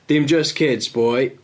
Dim jyst kids, boi.